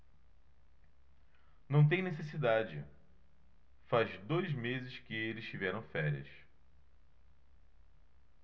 não tem necessidade faz dois meses que eles tiveram férias